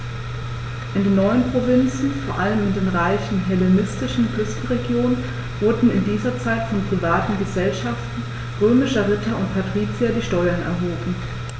In den neuen Provinzen, vor allem in den reichen hellenistischen Küstenregionen, wurden in dieser Zeit von privaten „Gesellschaften“ römischer Ritter und Patrizier die Steuern erhoben.